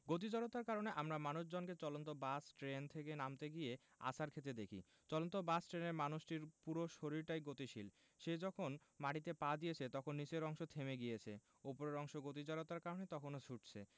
গতি জড়তার কারণে আমরা মানুষজনকে চলন্ত বাস ট্রেন থেকে নামতে গিয়ে আছাড় খেতে দেখি চলন্ত বাস ট্রেনের মানুষটির পুরো শরীরটাই গতিশীল সে যখন মাটিতে পা দিয়েছে তখন নিচের অংশ থেমে গিয়েছে ওপরের অংশ গতি জড়তার কারণে তখনো ছুটছে